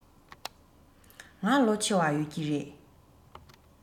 ང ལོ ཆེ བ ཡོད ཀྱི རེད